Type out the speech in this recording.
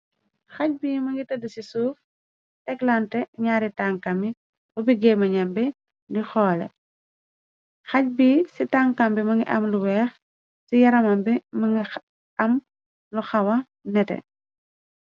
Haj bi mëngi tëdd ci suuf, teglantè ñaari tankami ubi gémeñam bi di hoolè. Haj bi ci tankam bi mënga am lu weeh, ci yaramam bi mënga am lu hawa nete.